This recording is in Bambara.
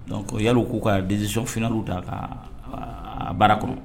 Donc Yal'u k'u ka décision finale ta ka a a baara